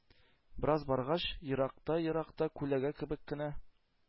Бераз баргач, еракта-еракта күләгә кебек кенә